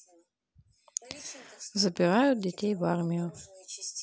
забирают детей в армию